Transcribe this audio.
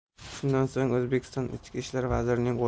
shundan so'ng o'zbekiston ichki ishlar vazirining